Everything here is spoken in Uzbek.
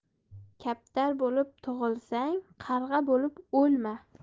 kaptar bo'lib tug'ilsang qarg'a bo'lib o'lma